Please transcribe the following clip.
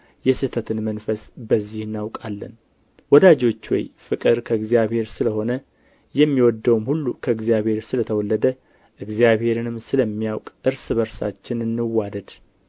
የስሕተትን መንፈስ በዚህ እናውቃለን ወዳጆች ሆይ ፍቅር ከእግዚአብሔር ስለ ሆነ የሚወደውም ሁሉ ከእግዚአብሔር ስለ ተወለደ እግዚአብሔርንም ስለሚያውቅ እርስ በርሳችን እንዋደድ